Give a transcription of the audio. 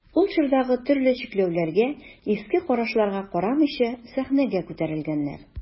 Ул чордагы төрле чикләүләргә, иске карашларга карамыйча сәхнәгә күтәрелгәннәр.